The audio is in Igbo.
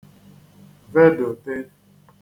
vedòte